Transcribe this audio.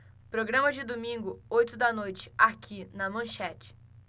programa de domingo oito da noite aqui na manchete